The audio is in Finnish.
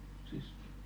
siis